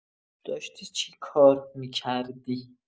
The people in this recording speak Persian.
داشتی چه کار می‌کردی؟